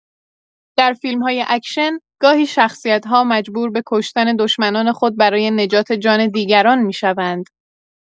در فیلم‌های اکشن، گاهی شخصیت‌ها مجبور به کشتن دشمنان خود برای نجات جان دیگران می‌شوند.